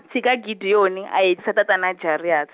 tshika Gideon a hetisa tatana Jairus.